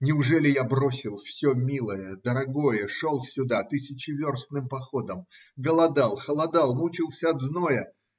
Неужели я бросил все милое, дорогое, шел сюда тысячеверстным походом, голодал, холодал, мучился от зноя